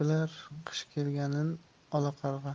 bilar qish kelganin olaqarg'a